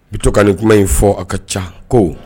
Bitɔnkan ni kuma in fɔ a ka ca ko